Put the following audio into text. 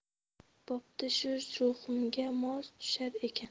bo'pti shu ruhimga mos tushar ekan